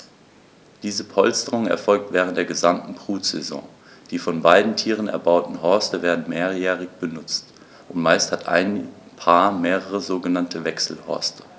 Diese Polsterung erfolgt während der gesamten Brutsaison. Die von beiden Tieren erbauten Horste werden mehrjährig benutzt, und meist hat ein Paar mehrere sogenannte Wechselhorste.